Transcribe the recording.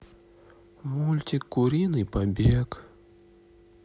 мультик куриный побег